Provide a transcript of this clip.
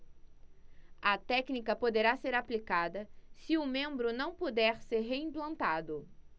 a técnica poderá ser aplicada se o membro não puder ser reimplantado